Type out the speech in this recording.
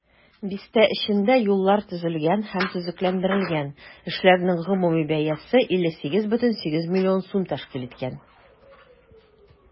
Бистә эчендә юллар төзелгән һәм төзекләндерелгән, эшләрнең гомуми бәясе 58,8 миллион сум тәшкил иткән.